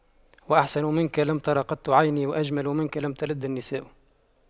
وأحسن منك لم تر قط عيني وأجمل منك لم تلد النساء